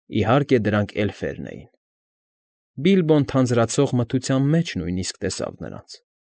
Իհարկե, դրանք էլֆերն էին։ Բիլբոն թանձրացող մթության մեջ նույնիսկ տեսավ նրանց։